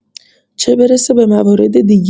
چه برسه به موارد دیگه.